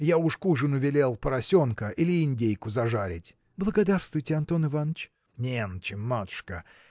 Я уж к ужину велел поросенка или индейку зажарить. – Благодарствуйте, Антон Иваныч. – Не на чем, матушка!